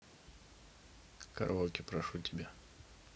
караоке попрошу тебя